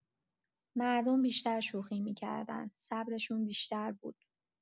مردم بیشتر شوخی می‌کردن، صبرشون بیشتر بود.